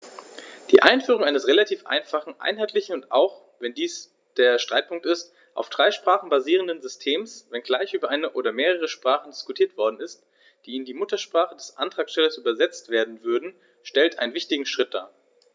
Die Einführung eines relativ einfachen, einheitlichen und - auch wenn dies der Streitpunkt ist - auf drei Sprachen basierenden Systems, wenngleich über eine oder mehrere Sprachen diskutiert worden ist, die in die Muttersprache des Antragstellers übersetzt werden würden, stellt einen wichtigen Schritt dar.